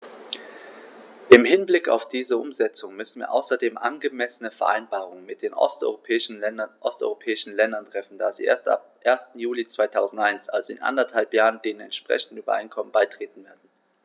Im Hinblick auf diese Umsetzung müssen wir außerdem angemessene Vereinbarungen mit den osteuropäischen Ländern treffen, da sie erst ab 1. Juli 2001, also in anderthalb Jahren, den entsprechenden Übereinkommen beitreten werden.